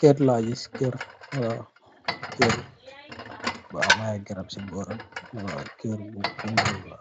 Kër laa gis, kër bu ay garab si bóoram. Kër bu pooñgkal la.